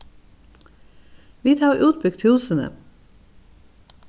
vit hava útbygt húsini